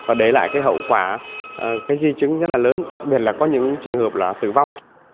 và để lại cái hậu quả cái di chứng rất là lớn đặc biệt là có những trường hợp là tử vong